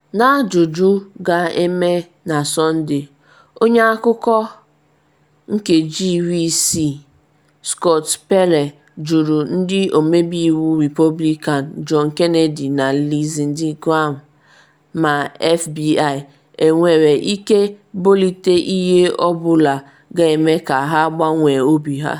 N’ajụjụ ga-eme na Sọnde, onye akụkọ “60 Minutes” Scott Pelley jụrụ ndị Ọmebe Iwu Repọblikan John Kennedy na Lindsey Graham ma FBI enwere ike bọlite ihe ọ bụla ga-eme ka ha gbanwee obi ha.